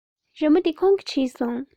རི མོ འདི ཁོང གིས བྲིས སོང